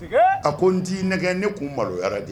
A ko n'i nɛgɛ ne kun maloyara de